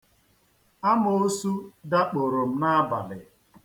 Amoosu dakporo m n'abalị.